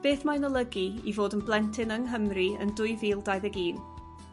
beth mae'n olygu i fod yn blentyn yng Nghymru yn dwy fil dau ddeg un?